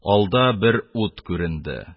Алда бер ут күренде;